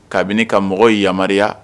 Kabini ka mɔgɔ yamaruya